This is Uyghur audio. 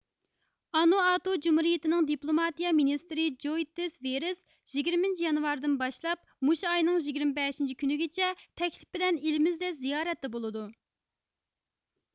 ئانۇئاتۇ جۇمھۇرىيىتىنىڭ دىپلۇماتىيە مىنىستىرى جويتىس ۋېرس يىگىرمىنچى يانۋاردىن باشلاپ مۇشۇ ئاينىڭ يىگىرمە بەشىنچى كۈنىگىچە تەكلىپ بىلەن ئېلىمىزدە زىيارەتتە بولىدۇ